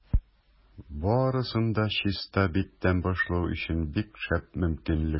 Барысын да чиста биттән башлау өчен бик шәп мөмкинлек.